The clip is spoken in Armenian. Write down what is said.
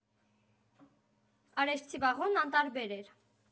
Արեշցի Վաղոն անտարբեր էր.